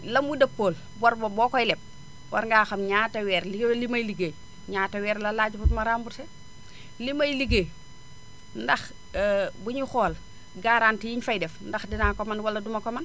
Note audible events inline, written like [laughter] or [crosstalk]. la mu dëppool bor ba boo koy leb war ngaa xam ñaata weer li may ligéey ñaata weer la laaj [noise] pour ma remboursé li may ligéey [noise] ndax [hesitation] buñuy xool garanti yi ñu fi fay def ndax dinaa ko mën wala duma ko mën